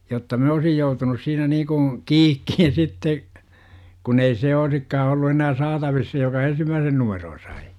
jotta minä olisin joutunut siinä niin kuin kiikkiin sitten kun ei se olisikaan ollut enää saatavissa se joka ensimmäisen numeron sai